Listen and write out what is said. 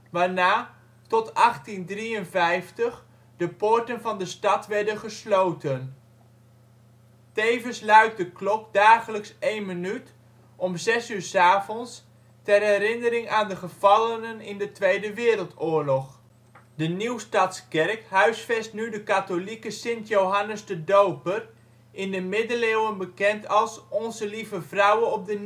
waarna (tot 1853) de poorten van de stad werden gesloten. Tevens luidt de klok dagelijks 1 minuut om 18.00 uur ter herinnering aan de gevallenen in de Tweede Wereldoorlog. De Nieuwstadskerk huisvest nu de katholieke Sint Johannes de Doper, in de Middeleeuwen bekend als Onze Lieve Vrouwe op de